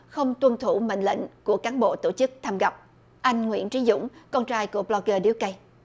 không tuân thủ mệnh lệnh của cán bộ tổ chức thăm gặp anh nguyễn chí dũng con trai của bờ lóc gơ điếu cày